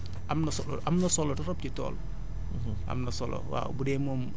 bon fumier moom am na solo am na solo trop ci tool